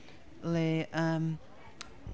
Ble, yym...